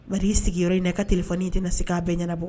Mali'i sigin in na ka tile n' tɛna se k' a bɛɛ ɲɛnabɔ